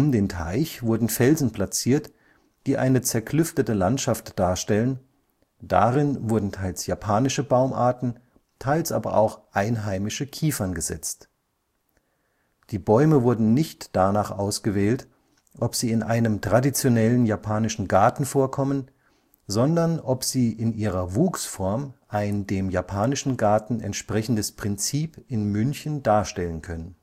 den Teich wurden Felsen platziert, die eine zerklüftete Landschaft darstellen, darin wurden teils japanische Baumarten, teils aber auch einheimische Kiefern gesetzt. Die Bäume wurden nicht danach ausgewählt, ob sie in einem traditionellen japanischen Garten vorkommen, sondern ob sie in ihrer Wuchsform ein dem japanischen Garten entsprechendes Prinzip in München darstellen können